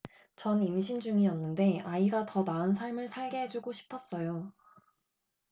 전 임신 중이었는데 아이가 더 나은 삶을 살게 해 주고 싶었어요